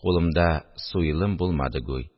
Кулымда суйлым булмады гуй